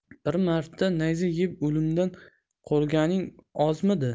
bir marta nayza yeb o'limdan qolganing ozmidi